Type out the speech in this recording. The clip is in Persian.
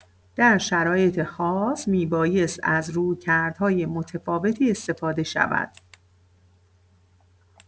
در شرایط خاص می‌بایست از رویکردهای متفاوتی استفاده شود.